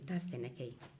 u bɛ taa sɛne kɛ yen